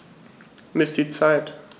Miss die Zeit.